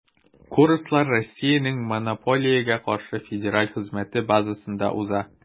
Курслар Россиянең Монополиягә каршы федераль хезмәте базасында уза.